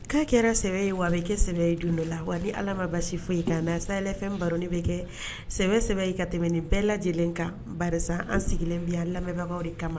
K'a kɛra sɛ ye wa kɛ sɛ ye don dɔ la wa ala ma basi foyi kan mɛsaɛlɛn fɛn baroni bɛ kɛ sɛ sɛ ye ka tɛmɛn ni bɛɛ lajɛlen kan karisa an sigilenya lamɛnbagaw de kama